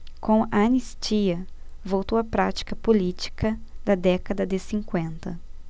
com a anistia voltou a prática política da década de cinquenta